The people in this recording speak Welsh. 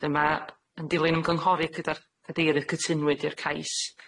'Dyn ma'... Yn dilyn ymgynghori gyda'r cadeirydd, cytunwyd i'r cais.